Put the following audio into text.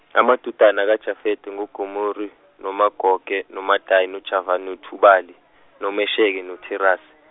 amadodana kaJafete ngoGomore noMagoge noMadayi noJavane noThubali, noMesheke noTirashe.